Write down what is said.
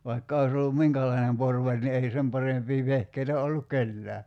vaikka olisi ollut minkälainen porvari niin ei sen parempia vehkeitä ollut kenelläkään